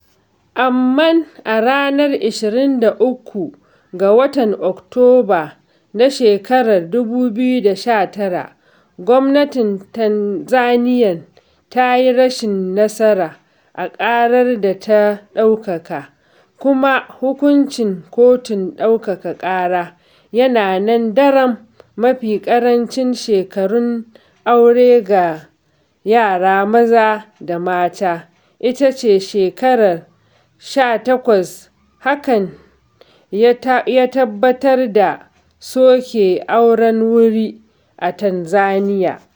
Amma a ranar 23 ga watan Oktoba na shekarar 2019, Gwmnatin Tanzaniyan ta yi rashin nasara a ƙarar da ta ɗaukaka, kuma hukuncin kotun ɗaukaka ƙara yana nan daram. Mafi ƙarancin shekarun aure ga yara maza da mata ita ce shekara 18, hakan ya tabbatar da soke auren wuri a Tanzaniyan.